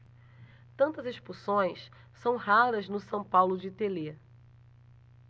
tantas expulsões são raras no são paulo de telê